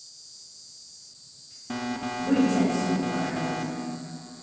выйди отсюда пожалуйста